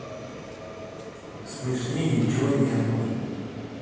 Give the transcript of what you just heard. смешнее ничего не было